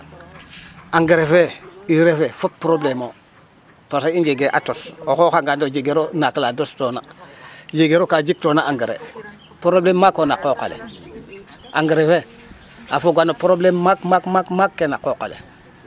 engrais fe urée fe fop problème o parce que i njegee a tos o xooxanga to jegiro naak la dostoona jegiro ka jiktoona engrais problème maak o na qooq ale engrais fe a foga no problème maak maak ke na qooq ale.